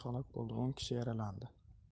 halok bo'ldi o'n kishi yaralandi